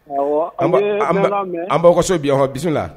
An an bɔso biyanɔn bisimila la